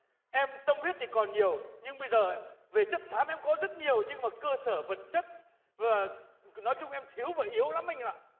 em tâm huyết thì còn nhiều nhưng bây giờ về chất xám em có rất nhiều nhưng mà cơ sở vật chất vừa nói chung em thiếu và yếu lắm anh ạ